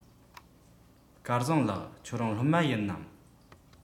སྐལ བཟང ལགས ཁྱེད རང སློབ མ ཡིན ནམ